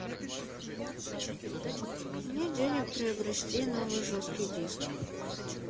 и нет денег приобрести новый жесткий диск